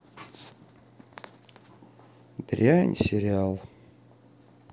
дрянь сериал